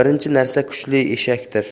birinchi narsa kuchli eshakdir